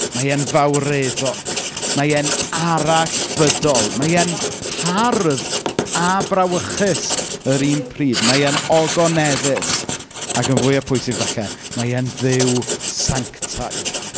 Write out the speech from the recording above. Mae e’n fawreddog. Mae e’n arallfydol. Mae e’n hardd a brawychus yr un pryd. Mae e’n ogoneddus, ac yn fwya pwysig falle, mae e’n Dduw sanctaidd.